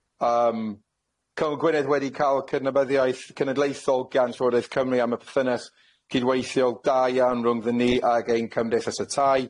Yym Cymru Gwynedd wedi ca'l cyrnebyddiaeth cenedlaethol gan Llywodraeth Cymru am y perthynas cydweithiol da iawn rwngddi ni ag ein cymdeithas y tai.